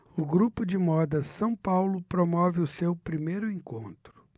o grupo de moda são paulo promove o seu primeiro encontro